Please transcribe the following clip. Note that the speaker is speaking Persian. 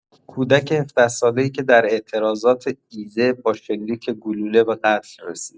کودک هفده‌ساله‌ای که در اعتراضات ایذه با شلیک گلوله به قتل رسید